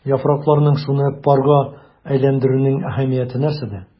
Яфракларның суны парга әйләндерүнең әһәмияте нәрсәдә?